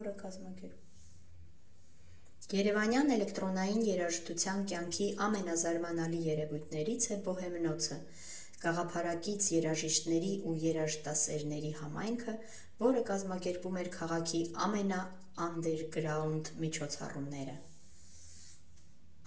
Երևանյան էլեկտրոնային երաժշտության կյանքի ամենազարմանալի երևույթներից է Բոհեմնոցը՝ գաղափարակից երաժիշտների ու երաժշտասերների համայնքը, որը կազմակերպում էր քաղաքի ամենաանդերգրաունդ միջոցառումները։